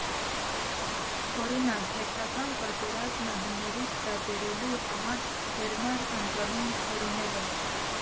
Օրինակ՝ հերթական պատերազմը հներից տարբերելու համար հարմար անվանում հորինելով։